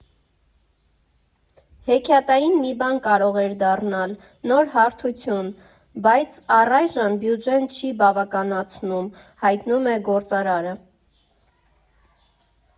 «Հեքիաթային մի բան կարող էր դառնալ, նոր հարթություն, բայց առայժմ բյուջեն չի բավականացնում», հայտնում է գործարարը։